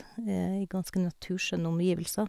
I ganske naturskjønne omgivelser.